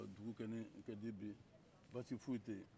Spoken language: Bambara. dugu kɔni ka di bi baasi foyi tɛ yen